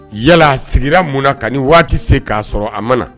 Yala sigira mun na ka ni waati se k'a sɔrɔ a ma na